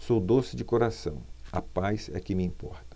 sou doce de coração a paz é que me importa